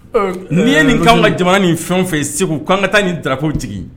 N'i ye nin kananw ka jamana ni fɛn fɛ yen segu k'an ka taa nin daw sigi